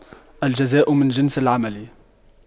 الجزاء من جنس العمل